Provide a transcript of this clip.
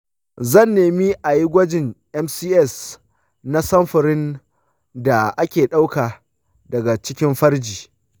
zan nemi a yi gwajin mcs na samfurin da aka ɗauka daga cikin farji.